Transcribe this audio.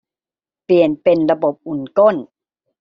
เปลี่ยนเป็นระบบอุ่นก้น